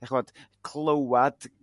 'da chi g'wod? Clywad